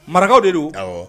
Marakaw de don